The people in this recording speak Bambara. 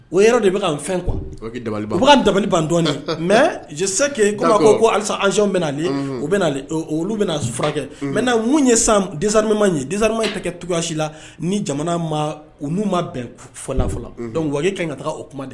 O yɛrɛ de i bɛ fɛn kuwa ka da ban dɔɔnin mɛseke ko ko ko alisa anzyɔn bɛ u olu bɛ furakɛ mɛ na mun ye san disa ma ye disarima tɛ kɛsi la ni jamana u'u ma bɛn fɔfɔ la dɔn wa ye ka ka taa o kuma de